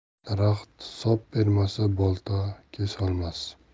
daraxt sop bermasa bolta kesolmas